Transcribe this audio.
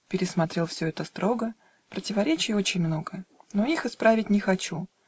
Пересмотрел все это строго: Противоречий очень много, Но их исправить не хочу.